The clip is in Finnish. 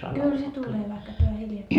kyllä se tulee vaikka te hiljaakin